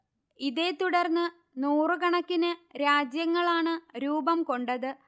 ഇതെത്തുടർന്ന് നൂറുകണക്കിന് രാജ്യങ്ങളാണ് രൂപം കൊണ്ടത്